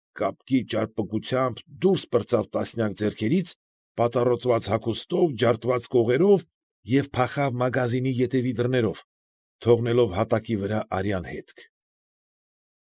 Կապկի ճարպկությամբ դուրս պրծավ տասնյակ ձեռքերից՝ պատառոտված հագուստով, ջարդված կողերով և փախավ մագազինի ետևի դռներով, թողնելով հատակի վրա արյան հետք։